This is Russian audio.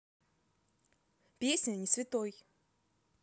песня не святой